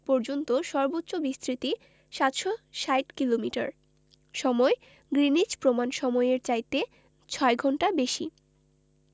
পর্যন্ত সর্বোচ্চ বিস্তৃতি ৭৬০ কিলোমিটার সময়ঃ গ্রীনিচ প্রমাণ সমইয়ের চাইতে ৬ ঘন্টা বেশি